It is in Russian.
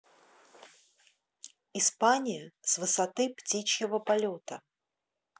испания с высоты птичьего полета